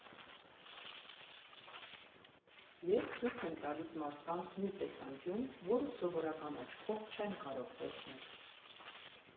Ես ցույց եմ տալիս մարդկանց մի տեսանկյուն, որը սովորական աչքով չեն կարող տեսնել։